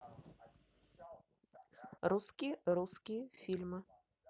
русские русские фильмы